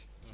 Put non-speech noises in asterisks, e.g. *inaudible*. *hesitation*